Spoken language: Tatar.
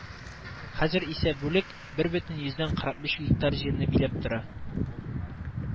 Хәзер исә бүлек бер бөтен йөздән кырык биш гектар җирне биләп тора